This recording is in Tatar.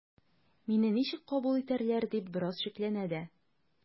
“мине ничек кабул итәрләр” дип бераз шикләнә дә.